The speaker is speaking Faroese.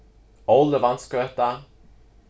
ólivantsgøta